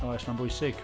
Oes, mae'n bwysig.